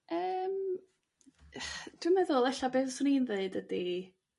Yrm dwi'n meddwl e'lla' beth 'swn i'n dd'eud ydi